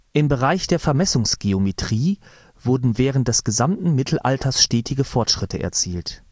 Im Bereich der Vermessungsgeometrie wurden während des gesamten Mittelalters stetige Fortschritte erzielt